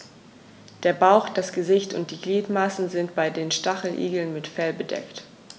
Der Bauch, das Gesicht und die Gliedmaßen sind bei den Stacheligeln mit Fell bedeckt.